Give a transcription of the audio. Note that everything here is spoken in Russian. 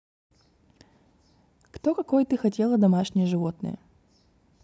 кто какой ты хотела домашнее животное